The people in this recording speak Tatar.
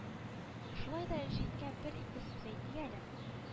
Шулай да рәшиткә бер-ике сүз әйтик әле